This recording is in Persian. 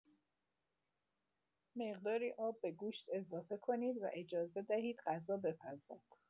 مقداری آب به گوشت اضافه کنید و اجازه دهید غذا بپزد.